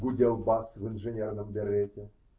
-- гудел бас в инженерном берете.